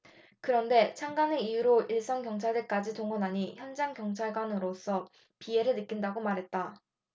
그런데 참관을 이유로 일선 경찰들까지 동원하니 현장 경찰관으로서 비애를 느낀다고 말했다